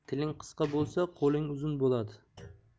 tiling qisqa bo'lsa qo'ling uzun bo'ladi